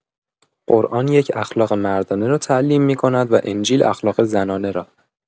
قرآن یک اخلاق مردانه را تعلیم می‌کند و انجیل اخلاق زنانه را